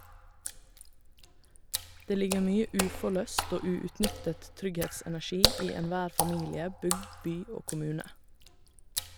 Det ligger mye uforløst og uutnyttet trygghetsenergi i enhver familie, bygd , by og kommune.